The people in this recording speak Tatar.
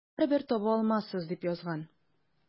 Барыбер таба алмассыз, дип язган.